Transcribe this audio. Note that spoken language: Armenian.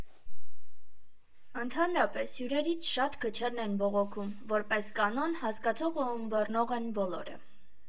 Ընդհանրապես, հյուրերից շատ քչերն են բողոքում, որպես կանոն՝ հասկացող ու ըմբռնող են բոլորը։